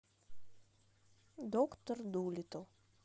доктор дулитл